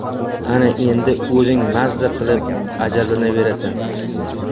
ana endi o'zing mazza qilib ajablanaverasan